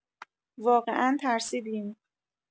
واقعا ترسیدیم.